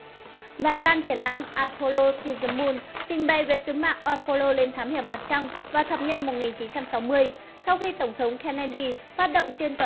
và gian triển lãm apollo to the moon trình bày về sứ mạng apollo lên thám hiểm mặt trăng vào thập niên sau khi tổng thống kennedy phát động trên toàn quốc